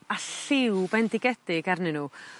a lliw bendigedig arnyn n'w.